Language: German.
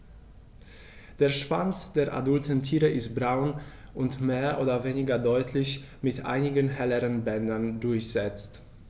Der Schwanz der adulten Tiere ist braun und mehr oder weniger deutlich mit einigen helleren Bändern durchsetzt.